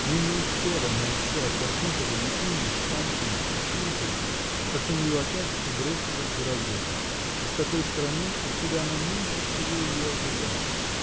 Но не успела она еще отдохнуть от объяснения с Паншиным и с матерью, как на нее опять обрушилась гроза, и с такой стороны, откуда она меньше всего ее ожидала.